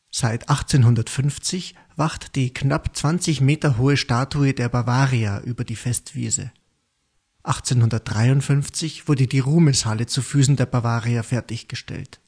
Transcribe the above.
Seit 1850 wacht die knapp 20 Meter hohe Statue der Bavaria über die Festwiese. 1853 wurde die Ruhmeshalle zu Füßen der Bavaria fertiggestellt